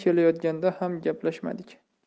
kelayotganda ham gaplashmadik